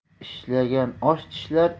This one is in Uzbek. ishlagan osh tishlar